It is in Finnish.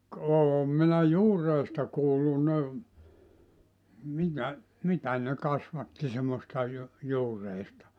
- olen minä juureista kuullut ne mitä mitä ne kasvatti semmoista - juureista